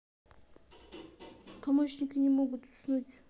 помощники не могут уснуть